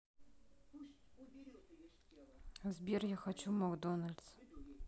сбер я хочу в макдональдс